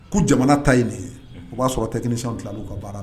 Ko jamana ta ye de ye o b'a sɔrɔ tɛksi fila uu ka baara